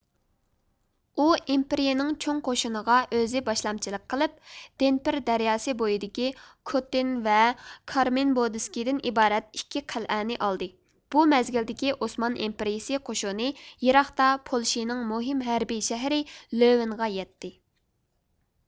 ئۇ ئىمپېرىيىنىڭ چوڭ قوشۇنىغا ئۆزى باشلامچىلىق قىلىپ دنېپر دەرياسى بويىدىكى كوتتىن ۋە كارمېنبودىسكىدىن ئىبارەت ئىككى قەلئەنى ئالدى بۇ مەزگىلدىكى ئوسمان ئىمپېرىيىسى قوشۇنى يىراقتا پولشىنىڭ مۇھىم ھەربىي شەھىرى لۆۋېغا يەتتى